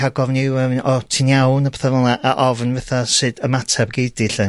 rhag ofn i rywun myn' o, ti'n iawn, a petha fel 'na a ofn fytha sud ymateb gei di 'lly.